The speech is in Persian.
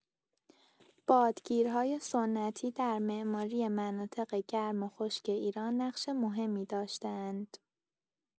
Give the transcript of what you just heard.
بادگیرهای سنتی در معماری مناطق گرم و خشک ایران نقش مهمی داشته‌اند.